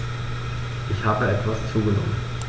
Ich habe etwas zugenommen